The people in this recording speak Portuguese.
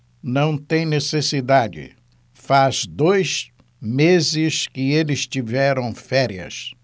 não tem necessidade faz dois meses que eles tiveram férias